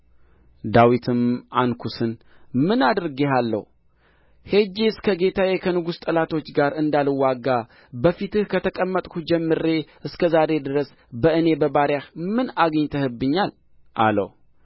ዳዊትም አንኩስን ምን አድርጌአለሁ ሄጄስ ከጌታዬ ከንጉሡ ጠላቶች ጋር እንዳልዋጋ በፊትህ ከተቀመጥሁ ጀምሬ እስከ ዛሬ ድረስ በእኔ በባሪያህ ምን አግኝተህብኛል አለው